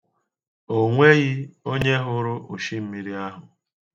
O nweghị onye hụrụ oshimmiri ahụ